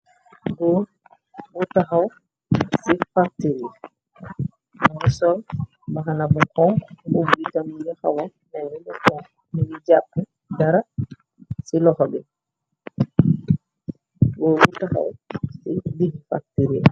xaw ci fartir yi damu sol baxana bu kon ubitamgi xawa newi luffo ningi jàpp gara ci loxo bibu wuutaxaw ci digi fartir yi